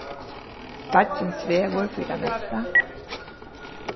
beiggin svevur fyri tað mesta